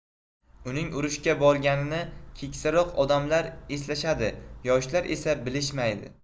uning urushga borganini keksaroq odamlar eslashadi yoshlar esa bilishmaydi